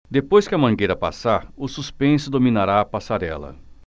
depois que a mangueira passar o suspense dominará a passarela